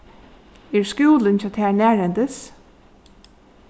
er skúlin hjá tær nærhendis